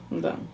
Yndan.